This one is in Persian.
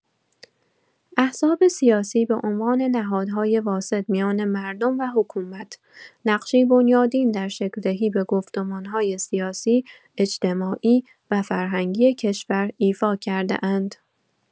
احزاب سیاسی به عنوان نهادهای واسط میان مردم و حکومت، نقشی بنیادین در شکل‌دهی به گفتمان‌های سیاسی، اجتماعی و فرهنگی کشور ایفا کرده‌اند.